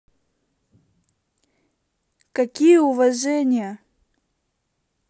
какие уважения